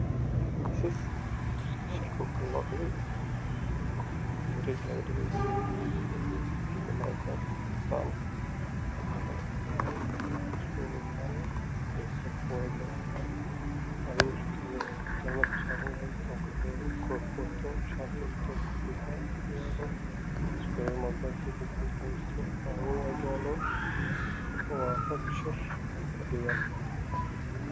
Waa miisas wareeg laga dhigay waxaa dusha looga fidiyay maro cadaan ah waxaa fadhiya niman badan